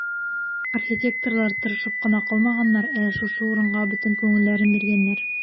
Архитекторлар тырышып кына калмаганнар, ә шушы урынга бөтен күңелләрен биргәннәр.